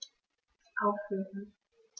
Aufhören.